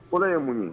O ye mun ye